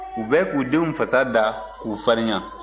u bɛ k'u denw fasa da k'u farinya